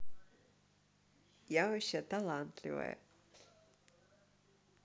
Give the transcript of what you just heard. я вообще талантливая